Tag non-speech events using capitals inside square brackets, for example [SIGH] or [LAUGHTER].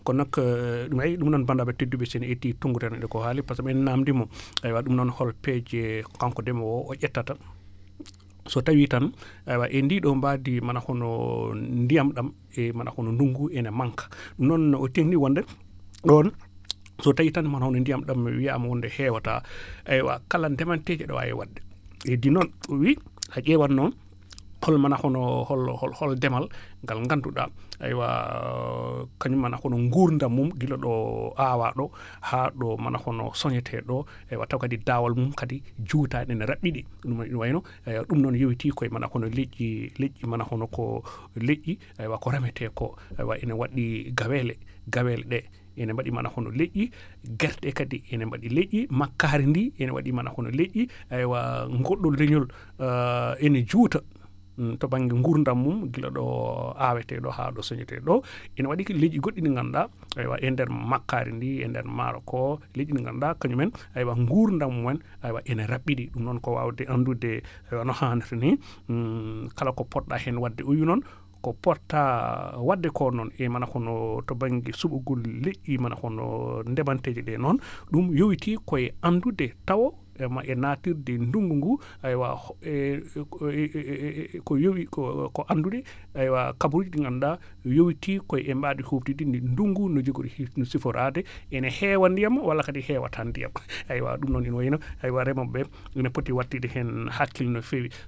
kon nag [HESITATION]